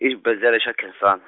-ibedlele xa Khensani.